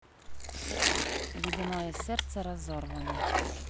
ледяное сердце разорвано